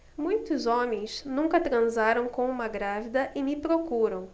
muitos homens nunca transaram com uma grávida e me procuram